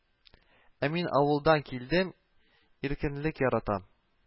Ә мин авылдан килдем, иркенлек яратам